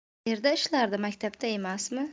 qaerda ishlardi maktabda emasmi